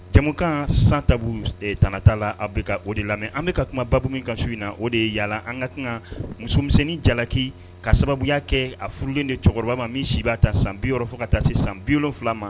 Cɛkan san ta tta la a bɛ ka o de lamɛn an bɛka ka kuma babugu min kaso in na o de ye yaala an ka kan musomisɛnnin jalalaki ka sababuya kɛ a furulen de cɛkɔrɔba ma min si b'a ta san bi yɔrɔ fo ka taa se san bi wolonwula ma